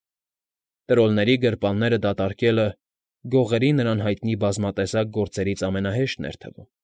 Տրոլների գրպանները դատարկելը գողերի նրան հայտնի բազմատեսակ գործերից ամենահեշտն էր թվում։